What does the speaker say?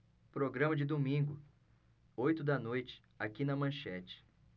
programa de domingo oito da noite aqui na manchete